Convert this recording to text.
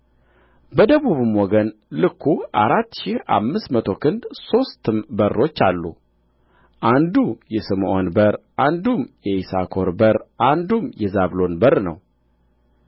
በደቡቡም ወገን ልኩ አራት ሺህ አምስት መቶ ክንድ ሦስትም በሮች አሉ አንዱ የስምዖን በር አንዱም የይሳኮር በር አንዱም የዛብሎን በር ነው